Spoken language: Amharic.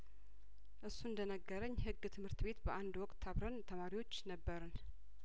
እሱ እንደነገረኝ ህግ ትምህርት ቤት በአንድ ወቅት አብረን ተማሪዎች ነበርን